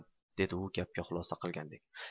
dedi u gapga xulosa qilgandek